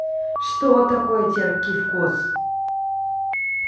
что такое терпкий вкус